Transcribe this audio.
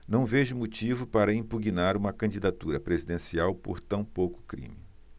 não vejo motivo para impugnar uma candidatura presidencial por tão pouco crime